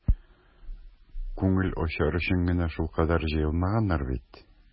Күңел ачар өчен генә шулкадәр җыелмаганнар бит.